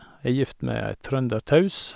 Er gift med ei trøndertaus.